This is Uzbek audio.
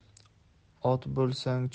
ot bo'lsang choparsan